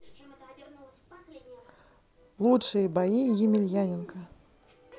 лучшие бои емельяненко